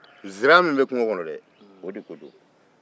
nsira min bɛ kungo kɔno dɛ o de ko don